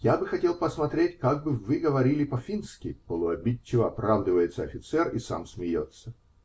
я бы хотел посмотреть, как бы вы говорили по-фински, -- полуобидчиво оправдывается офицер и сам смеется.